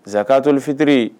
Zanakatɔli fitiri